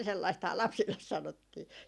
sellaistahan lapsille sanottiin